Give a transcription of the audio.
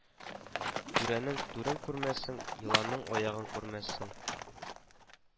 Түрәнең түрен күрмәссең, еланның аягын күрмәссең